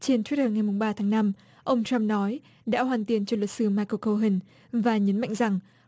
trên chuýt tơ ngày mùng ba tháng năm ông trăm nói đã hoàn tiền cho luật sư mai cồ câu hình và nhấn mạnh rằng